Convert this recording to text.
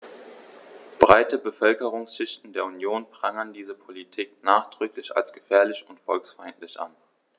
Breite Bevölkerungsschichten der Union prangern diese Politik nachdrücklich als gefährlich und volksfeindlich an.